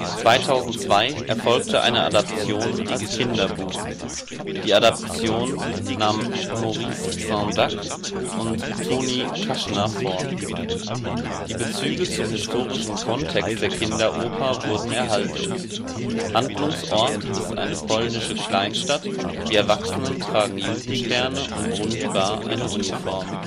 2002 erfolgte eine Adaption als Kinderbuch. Die Adaption nahmen Maurice Sendak (Bilder) und Tony Kushner (Text) vor. Die Bezüge zum historischen Kontext der Kinderoper wurden erhalten. Handlungsort ist eine polnische Kleinstadt, die Erwachsenen tragen Judensterne und Brundibar eine Uniform